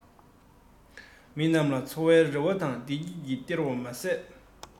མི རྣམས ལ འཚོ བའི རེ བ དང བདེ སྐྱིད སྟེར བར མ ཟད